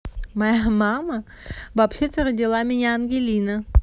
моя мама вообще то родила меня ангелина